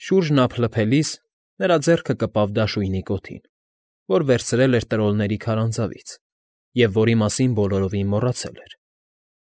Շուրջն ափլփելիս՝ նրա ձեռքը կպավ դաշույնի կոթին, որ վերցրել էր տրոլների քարանձավից և որի մասին բալորովին մոռացել էր։